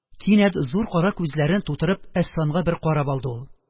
Кинәт, зур кара күзләрен тутырып, Әсфанга бер карап алды ул